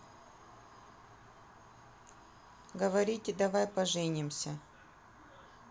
говорите давай поженимся